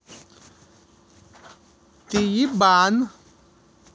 ты ебан